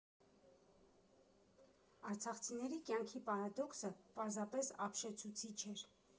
Արցախցիների կյանքի պարադոքսը պարզապես ապշեցուցիչ էր։